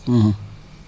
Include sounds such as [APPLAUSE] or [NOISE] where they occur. [HESITATION] [HESITATION]